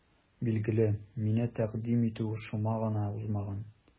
Билгеле, мине тәкъдим итү шома гына узмаган.